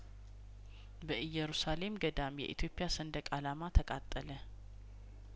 በኢየሩሳሌም ገዳም የኢትዮጵያ ሰንደቅ አላማ ተቃጠለ